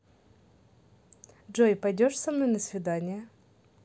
джой пойдешь со мной на свидание